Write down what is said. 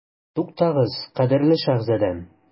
Туктагыз, кадерле шаһзадәм.